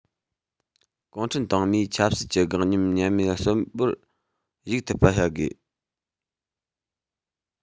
གུང ཁྲན ཏང མིའི ཆབ སྲིད ཀྱི སྒེག ཉམས ཉམས མེད གསོན པོར བཞུགས ཐུབ པ བྱ དགོས